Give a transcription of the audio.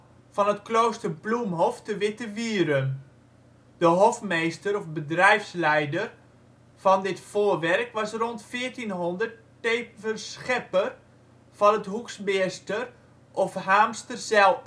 van het klooster Bloemhof te Wittewierum. De hofmeester (bedrijfsleider) van dit voorwerk was rond 1400 tevens schepper van het Hoeksmeerster of Haemster zijl-eed